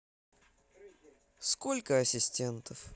сколько ассистентов